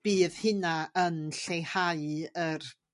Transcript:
bydd hynna yn lleihau yr